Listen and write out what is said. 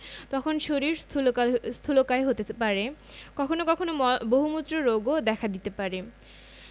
তখন শরীর স্থুলকায় হতে পারে কখনো কখনো বহুমূত্র রোগও দেখা দিতে পারে